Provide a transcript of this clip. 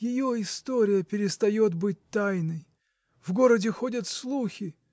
— Ее история перестает быть тайной. В городе ходят слухи.